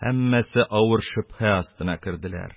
Һәммәсе авыр шөбһә астына керделәр...